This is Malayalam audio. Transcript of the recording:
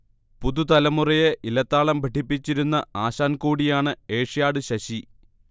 പുതുതലമുറയെ ഇലത്താളം പഠിപ്പിച്ചിരുന്ന ആശാൻ കൂടിയാണ് ഏഷ്യാഡ് ശശി